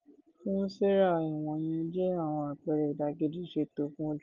Fún Sarah, ìwọ̀nyẹn jẹ́ àwọn àpẹẹrẹ "ìdàkejì ìṣẹ̀tọ́ fún ojú-ọjọ́".